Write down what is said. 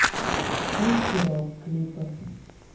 русский рок клипы